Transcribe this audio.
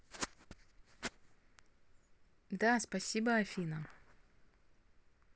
да спасибо афина